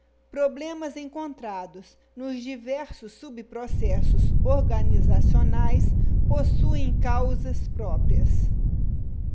problemas encontrados nos diversos subprocessos organizacionais possuem causas próprias